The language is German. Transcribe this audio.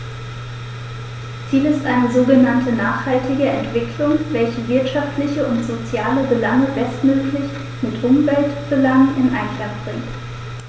Ziel ist eine sogenannte nachhaltige Entwicklung, welche wirtschaftliche und soziale Belange bestmöglich mit Umweltbelangen in Einklang bringt.